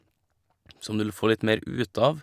Som du vil få litt mer ut av.